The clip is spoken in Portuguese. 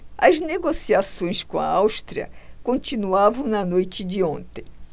as negociações com a áustria continuavam na noite de ontem